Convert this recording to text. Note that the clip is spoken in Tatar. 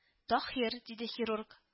— таһир, — диде хирург